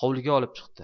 hovliga olib chiqdi